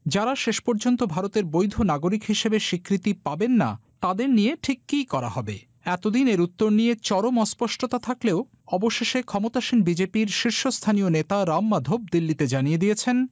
যারা শেষ পর্যন্ত ভারতেরবৈধ নাগরিক হিসেবে স্বীকৃতি পাবেন না তাদের নিয়ে ঠিক কি করা হবে এতদিন এর উত্তর নিয়ে চরম অস্পষ্টতা থাকলেও অবশেষে ক্ষমতাসীন বিজেপির শীর্ষস্থানীয় নেতা রাম মাধব দিল্লিতে জানিয়ে দিয়েছেন